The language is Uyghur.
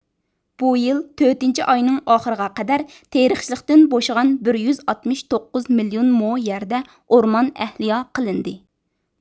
بۇ يىل تۆتىنچى ئاينىڭ ئاخىرىغا قەدەر تېرىقچىلىقتىن بوشىغان بىر يۈز ئاتمىش توققۇز مىليون مو يەردە ئورمان ئەھيا قىلىندى